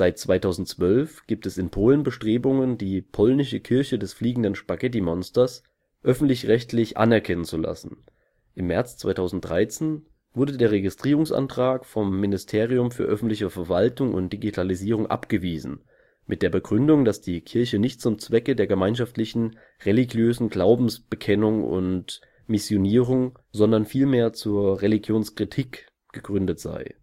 2012 gibt es in Polen Bestrebungen, die „ Polnische Kirche des Fliegenden Spaghettimonsters “(Polski Kościół Latającego Potwora Spaghetti) öffentlich-rechtlich anerkennen zu lassen. Im März 2013 wurde der Registrierungsantrag vom Ministerium für Öffentliche Verwaltung und Digitalisierung abgewiesen, mit der Begründung, dass die Kirche nicht zum Zwecke der gemeinschaftlichen religiösen Glaubensbekennung und Missionierung, sondern vielmehr zur Religionskritik gegründet sei